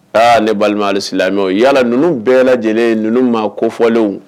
Aa ne balimasilen yalala ninnu bɛɛ lajɛlen ninnu ma kofɔlen